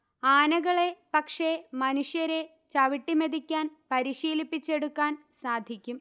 ആനകളെ പക്ഷേ മനുഷ്യരെ ചവിട്ടിമെതിക്കാൻ പരീശീലിപ്പിച്ചെടുക്കാൻ സാധിക്കും